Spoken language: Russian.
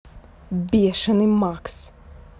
бешеный макс